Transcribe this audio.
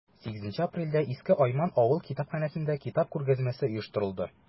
8 апрельдә иске айман авыл китапханәсендә китап күргәзмәсе оештырылды.